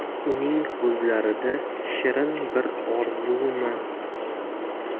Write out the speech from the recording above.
uning ko'zlarida shirin bir orzumi